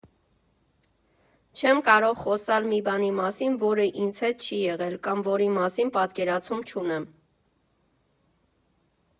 Չեմ կարող խոսալ մի բանի մասին, որը ինձ հետ չի եղել կամ որի մասին պատկերացում չունեմ։